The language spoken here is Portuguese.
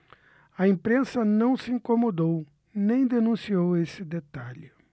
a imprensa não se incomodou nem denunciou esse detalhe